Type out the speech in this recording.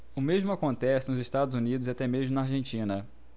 o mesmo acontece nos estados unidos e até mesmo na argentina